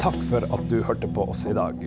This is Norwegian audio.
takk for at du hørte på oss i dag.